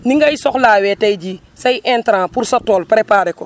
ni ngay soxlawee tey jii say intrants pour sa tool préparer ko